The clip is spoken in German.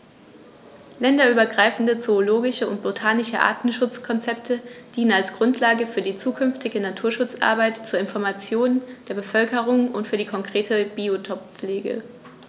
Länderübergreifende zoologische und botanische Artenschutzkonzepte dienen als Grundlage für die zukünftige Naturschutzarbeit, zur Information der Bevölkerung und für die konkrete Biotoppflege.